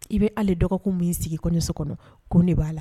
I bɛ hali dɔgɔkun min sigi kɔɲɔnso kɔnɔ kun de b'a la.